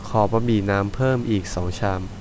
ขอบะหมี่น้ำเพิ่มอีกสองชาม